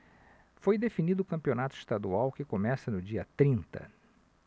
foi definido o campeonato estadual que começa no dia trinta